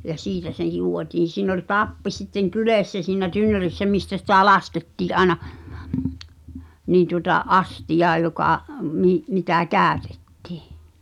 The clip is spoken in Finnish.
ja siitä se juotiin siinä oli tappi sitten kyljessä siinä tynnyrissä mistä sitä laskettiin aina niin tuota astiaan joka - mitä käytti